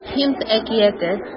Һинд әкияте